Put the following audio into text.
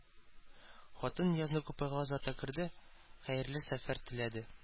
Хатын Ниязны купега озата керде, хәерле сәфәр теләде